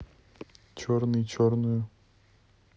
черный черную